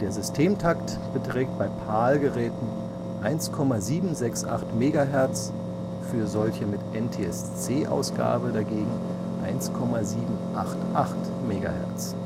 Systemtakt beträgt bei PAL-Geräten 1,768 MHz, für solche mit NTSC-Ausgabe dagegen 1,788 MHz